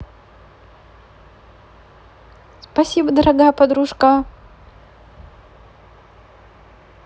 спасибо дорогая подружка